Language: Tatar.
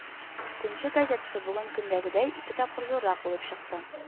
«күнче» газетасы бүген көндәгедәй ике тапкыр зуррак булып чыкты